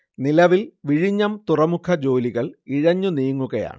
നിലവിൽ വിഴിഞ്ഞം തുറമുഖ ജോലികൾ ഇഴഞ്ഞു നീങ്ങുകയാണ്